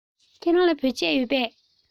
ཁྱེད རང ལ བོད ཆས ཡོད པས